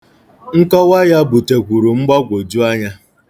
Nkọwa ya butekwuru mgbagwoju anya